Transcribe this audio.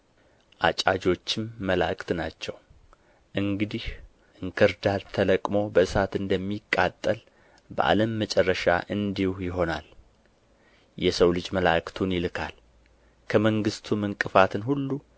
አጫጆችም መላእክት ናቸው እንግዲህ እንክርዳድ ተለቅሞ በእሳት እንደሚቃጠል በዓለም መጨረሻ እንዲሁ ይሆናል የሰው ልጅ መላእክቱን ይልካል ከመንግሥቱም እንቅፋትን ሁሉ